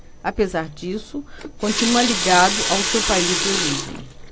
apesar disso continua ligado ao seu país de origem